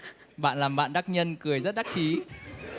bạn làm bạn đắc nhân cười rất đắc chí